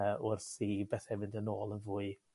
Yy wrth i bethe fynd yn ôl yn fwy